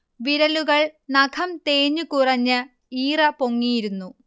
വിരലുകൾ നഖം തേഞ്ഞ് കുറഞ്ഞ് ഈറ പൊങ്ങിയിരുന്നു